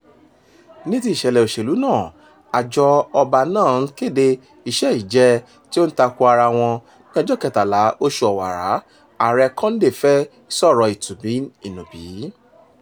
Ní ti ìṣẹ̀lẹ̀ òṣèlú náà, àjọ ọba náà ń kéde iṣẹ́-ìjẹ́ tí ó ń tako ara wọn: Ní ọjọ́ 13, oṣù Ọ̀wàrà Ààrẹ Condé fẹ́ ìsọ̀rọ̀-ní-tùnbí-ǹ-nùbí: